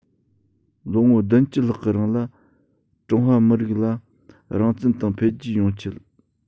ལོ ངོ བདུན ཅུ ལྷག གི རིང ལ ཀྲུང ཧྭ མི རིགས ལ རང བཙན དང འཕེལ རྒྱས ཡོང ཆེད